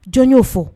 Jɔn y'o fɔ?